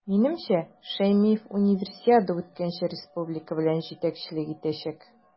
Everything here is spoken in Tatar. Минемчә, Шәймиев Универсиада үткәнче республика белән җитәкчелек итәчәк.